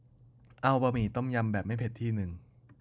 เอาบะหมี่ต้มยำแบบไม่เผ็ดที่นึง